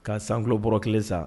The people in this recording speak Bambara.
Ka san tulo bɔra kelen sa